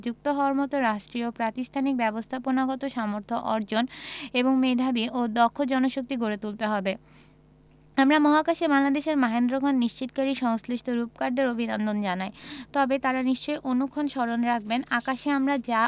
যুক্ত হওয়ার মতো রাষ্ট্রীয় ও প্রাতিষ্ঠানিক ব্যবস্থাপনাগত সামর্থ্য অর্জন এবং মেধাবী ও দক্ষ জনশক্তি গড়ে তুলতে হবে আমরা মহাকাশে বাংলাদেশের মাহেন্দ্রক্ষণ নিশ্চিতকারী সংশ্লিষ্ট রূপকারদের অভিনন্দন জানাই তবে তাঁরা নিশ্চয় অনুক্ষণ স্মরণে রাখবেন আকাশে আমরা যা